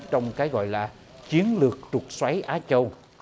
trong cái gọi là chiến lược trục xoáy á châu